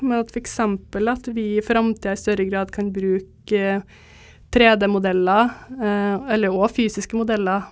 men at f.eks. at vi i framtida i større grad kan bruke tre-D-modeller eller òg fysiske modeller,